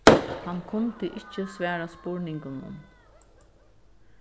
hann kundi ikki svara spurningunum